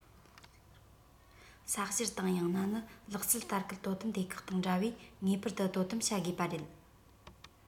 ས བཤེར དང ཡང ན ནི ལག རྩལ ལྟ སྐུལ དོ དམ སྡེ ཁག དང འདྲ བས ངེས པར དུ དོ དམ བྱ དགོས པ རེད